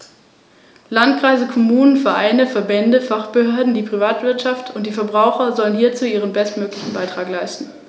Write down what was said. Hannibal nahm den Landweg durch das südliche Gallien, überquerte die Alpen und fiel mit einem Heer in Italien ein, wobei er mehrere römische Armeen nacheinander vernichtete.